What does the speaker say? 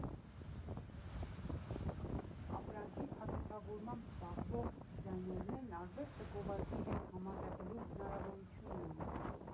Ապրանքի փաթեթավորմամբ զբաղվով դիզայներներն արվեստը գովազդի հետ համատեղելու հնարավորություն ունեն.